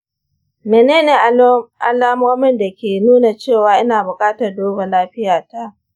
mene ne alamomin da ke nuna cewa ina buƙatar duba lafiyata?